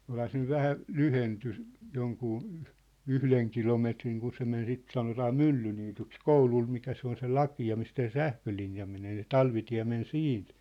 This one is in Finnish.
olihan se nyt vähän lyhentynyt jonkun yhden kilometrin kun se meni sitä sanotaan Myllyniityksi koululla mikä se on se lakea mistä se sähkölinja menee se talvitie meni siitä